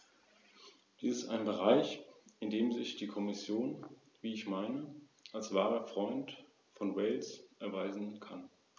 Wir hoffen, dass uns die Kommission davon überzeugen kann, dass es sich dabei lediglich um ein Versehen handelt, das umgehend korrigiert wird.